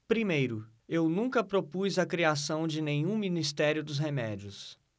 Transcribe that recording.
primeiro eu nunca propus a criação de nenhum ministério dos remédios